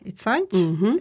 ikke sant?